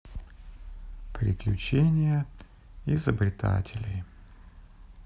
приключения изобретателей